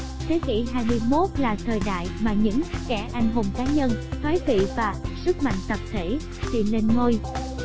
thế kỷ là thời đại mà những 'kẻ anh hùng cá nhân' thoái vị và 'sức mạnh tập thể' thì lên ngôi